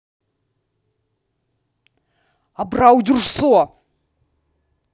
абрау дюрсо